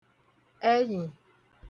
ẹnyì